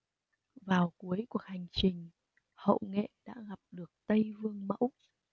vào cuối cuộc hành trình hậu nghệ đã gặp được tây vương mẫu